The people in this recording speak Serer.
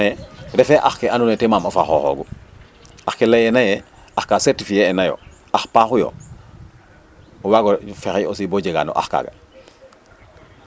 refee ax ka te maamof a xooxoogu ax ke layeena yee ka certifier ena yo ax paexu yo o waeg o fexey aussi boo jeg na ax kaaga